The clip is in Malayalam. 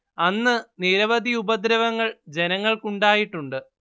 അന്ന് നിരവധി ഉപദ്രവങ്ങൾ ജനങ്ങൾക്കുണ്ടായിട്ടുണ്ട്